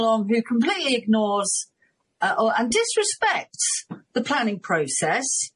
along who completely ignores and disrespects the planning process